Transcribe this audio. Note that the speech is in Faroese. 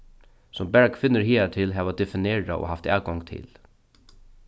sum bara kvinnur higartil hava definerað og havt atgongd til